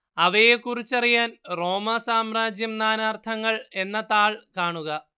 അവയെക്കുറിച്ചറിയാൻ റോമാ സാമ്രാജ്യം നാനാർത്ഥങ്ങൾ എന്ന താൾ കാണുക